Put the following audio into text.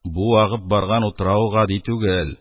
Бу агып барган утрау гади түгел,